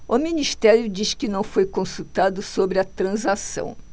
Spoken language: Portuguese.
o ministério diz que não foi consultado sobre a transação